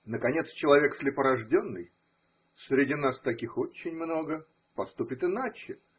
Наконец, человек слепорожденный (среди нас таких очень много) поступит иначе.